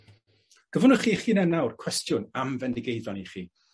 Gofynnwch chi 'ych hunan nawr cwestiwn am Fendigeidfran i chi.